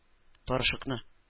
Порошокны